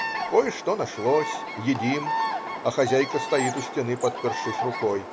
Кое-что нашлось, едим, а хозяйка стоит у стены, подпершись рукой.